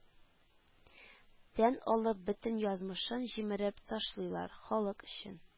Тән алып, бөтен язмышын җимереп ташлыйлар, халык өчен,